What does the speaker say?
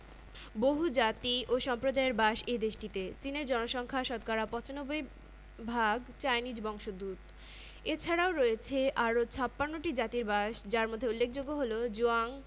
ঔষধ ও বিভিন্ন ধরনের ইলেকট্রনিক্স সামগ্রী প্রভ্রিতি খনিজ সম্পদের দিক থেকেও চীন অত্যান্ত সম্পদশালী দেশটির ভূগর্ভে রয়েছে মুল্যবান খনিজ সম্পদ যেমন পেট্রোলিয়াম আকরিক লৌহ তামা অ্যালুমিনিয়াম